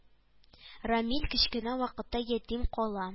Рамил кечкенә вакытта ятим кала